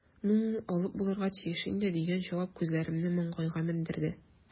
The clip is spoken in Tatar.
"ну, алып булырга тиеш инде", – дигән җавап күзләремне маңгайга менгерде.